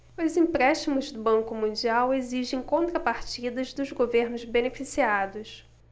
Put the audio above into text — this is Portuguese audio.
os empréstimos do banco mundial exigem contrapartidas dos governos beneficiados